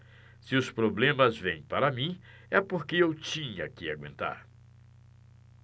se os problemas vêm para mim é porque eu tinha que aguentar